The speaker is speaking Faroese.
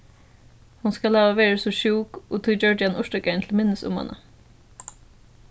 hon skal hava verið so sjúk og tí gjørdi hann urtagarðin til minnis um hana